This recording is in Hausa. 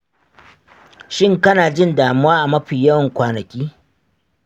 shin kana jin damuwa a mafi yawan kwanaki?